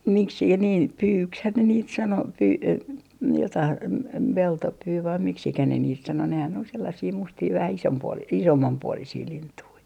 miksi niin pyyksihän ne niitä sanoi - jotakin - peltopyy vai miksi ne niitä sanoi nehän oli sellaisia mustia vähän - isommanpuoleisia lintuja